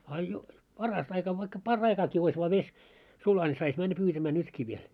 a jo parasta aika vaikka par'aikaakin olisi vain vesi sula niin saisi mennä pyytämään nytkin vielä